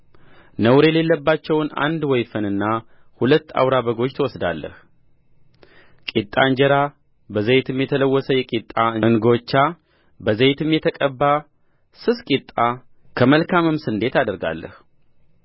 ነውር የሌለባቸውን አንድ ወይፈንና ሁለት አውራ በጎች ትወስዳለህ ቂጣ እንጀራ በዘይትም የተለወሰ የቂጣ እንጐቻ በዘይትም የተቀባ ስስ ቂጣ ከመልካም ስንዴ ታደርጋለህ